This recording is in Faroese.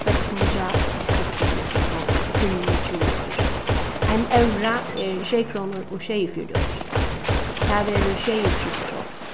seks hundrað og seksogfjøruti krónur og fimmogtjúgu oyru ein evra er sjey krónur og sjeyogfjøruti oyru tað verður sjeyogtrýss krónur